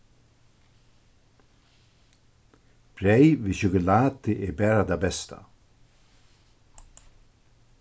breyð við sjokulátu er bara tað besta